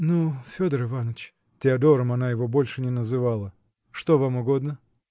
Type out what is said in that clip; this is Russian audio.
-- Но, Федор Иваныч (Теодором она его больше не называла). -- Что вам угодно?